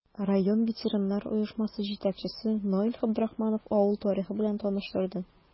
Район ветераннар оешмасы җитәкчесе Наил Габдрахманов авыл тарихы белән таныштырды.